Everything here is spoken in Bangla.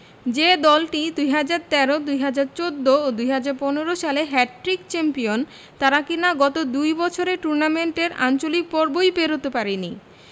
যে দলটি ২০১৩ ২০১৪ ও ২০১৫ সালে হ্যাটট্রিক চ্যাম্পিয়ন তারা কিনা গত দুই বছরে টুর্নামেন্টের আঞ্চলিক পর্বই পেরোতে পারেনি